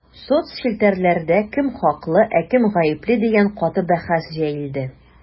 Соцчелтәрләрдә кем хаклы, ә кем гапле дигән каты бәхәс җәелде.